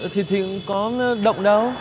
ừ thì thì có động đâu